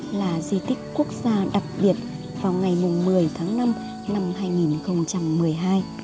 là di tích quốc gia đặc biệt vào ngày mùng tháng năm